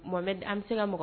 Mɔ an bɛ se ka mɔgɔ